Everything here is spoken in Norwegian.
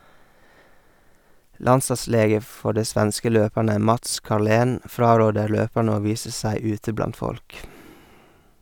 Landslagslege for de svenske løperne, Mats Carlén, fraråder løperne å vise seg ute blant folk.